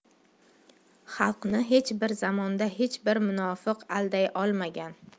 xalqni hech bir zamonda hech bir munofiq alday olmagan